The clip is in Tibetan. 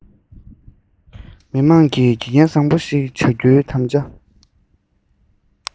མི དམངས ཀྱི དགེ རྒན བཟང པོ ཞིག བྱ རྒྱུའི དམ བཅའ